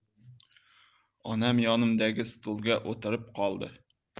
onam yonimdagi stulga o'tirib qoldi